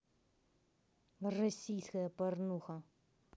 российская порнуха